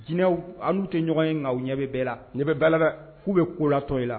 Jinɛinɛw an'u tɛ ɲɔgɔn ye kan ɲɛ bɛ bɛɛ la ɲɛ bɛ bɛɛla k'u bɛ kolatɔ in la